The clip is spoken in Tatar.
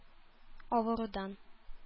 Авырудан